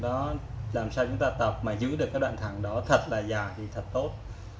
lam sao chúng ta tập mà giữ được cái đoạn thẳng đó thật là dài thì quá tốt